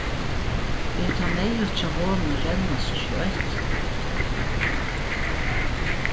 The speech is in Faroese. er tað neyðugt hjá honum at renna so skjótt